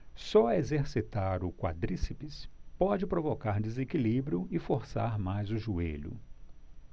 só exercitar o quadríceps pode provocar desequilíbrio e forçar mais o joelho